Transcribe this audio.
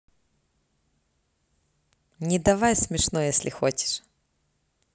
не давай смешно если хочешь